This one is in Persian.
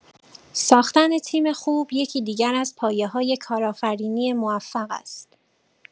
ساختن تیم خوب یکی دیگر از پایه‌های کارآفرینی موفق است.